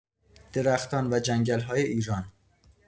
درختان و جنگل‌های ایران